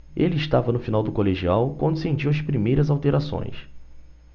ele estava no final do colegial quando sentiu as primeiras alterações